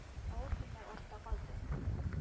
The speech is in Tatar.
Авыр көннәр артта калды